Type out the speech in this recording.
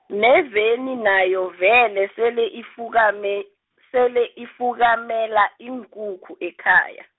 neveni nayo vele sele ifukame, sele ifukamela iinkukhu, ekhaya.